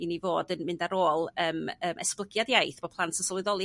i ni fod yn mynd ar ôl yym yym esblygiad iaith bod plant yn swyddoli